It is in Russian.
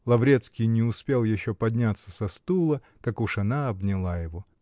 Лаврецкий не успел еще подняться со стула, как уж она обняла его.